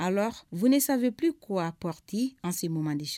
A wsapri ko a poti an si dise